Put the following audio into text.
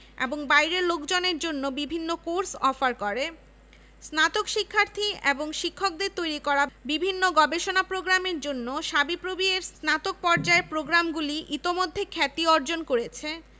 বছর জুড়েই বিভিন্ন অনুষ্ঠান এবং প্রতিযোগিতার আয়োজন করে শিক্ষার্থীদের এই সংগঠনগুলির মধ্যে আছে ক্লাব ডিবেটিং ক্লাব ফটোগ্রাফিক সমিতি চলচ্চিত্র সমিতি